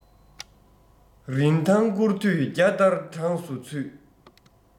རིན ཐང སྐོར དུས བརྒྱ སྟར གྲངས སུ ཚུད